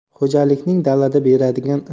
xo'jalikning dalada beradigan